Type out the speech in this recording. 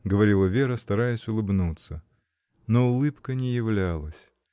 — говорила Вера, стараясь улыбнуться. Но улыбка не являлась.